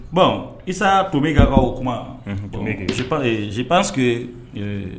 Bon isa to bɛ ka ka o kuma sipseke